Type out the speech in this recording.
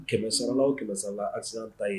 Kɛmɛsola kɛmɛsala asisa ta ye